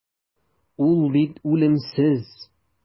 Ул бит үлемсез.